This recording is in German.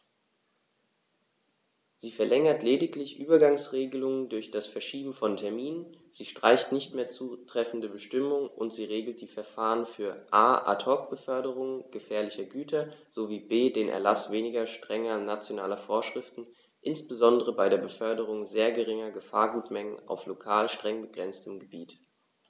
Sie verlängert lediglich Übergangsregeln durch das Verschieben von Terminen, sie streicht nicht mehr zutreffende Bestimmungen, und sie regelt die Verfahren für a) Ad hoc-Beförderungen gefährlicher Güter sowie b) den Erlaß weniger strenger nationaler Vorschriften, insbesondere bei der Beförderung sehr geringer Gefahrgutmengen auf lokal streng begrenzten Gebieten.